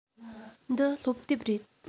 འདི སློབ དེབ རེད